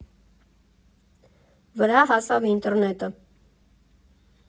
Վրա հասավ ինտերնետը.